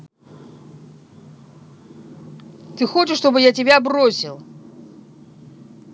ты хочешь чтобы я тебя бросил